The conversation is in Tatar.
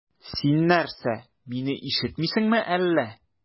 Син нәрсә, мине ишетмисеңме әллә?